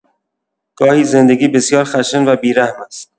گاهی زندگی بسیار خشن و بی‌رحم است.